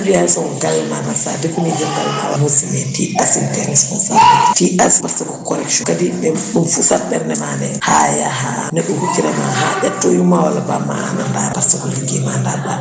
aɗa andi hayso ko galle ma sa defani joom galle ma hay so metti assume tes responsabilités * kadi ɗum fusat ɓeerde ma nde ha yaaha ha neɗɗo huccita eme ƴatto yumma walla bamma an a darata saabu ko ligguey ma darɗa